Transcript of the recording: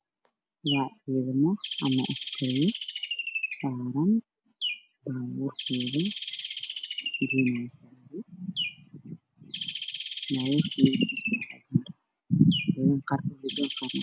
Waa ciidamo ama askari saaran baabuurkoodii